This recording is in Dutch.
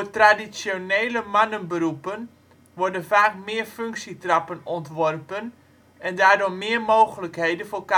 traditionele mannenberoepen worden vaak meer functie-trappen ontworpen en daardoor meer mogelijkheden voor carrièrestappen